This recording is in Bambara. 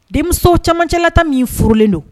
Denmuso camancɛlata min furulen don